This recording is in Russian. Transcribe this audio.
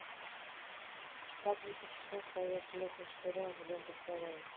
как витя чеснок повез леху штыря в дом престарелых